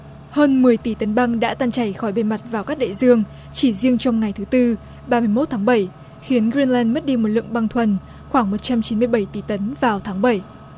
hơn mười tỷ tấn băng đã tan chảy khỏi bề mặt vào các đại dương chỉ riêng trong ngày thứ tư ba mươi mốt tháng bảy khiến ri len mất đi một lượng bằng thuần khoảng một trăm chín mươi bảy tỷ tấn vào tháng bảy